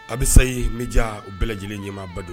A bɛ sayi m bɛja bɛɛ lajɛlen ɲɛmaa ba don